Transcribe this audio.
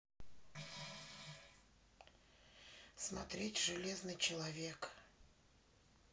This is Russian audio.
смотреть железный человек